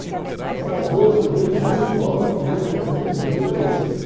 moradores do grande rio voltam a viver momentos de violência